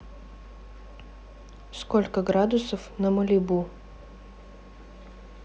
сколько градусов на малибу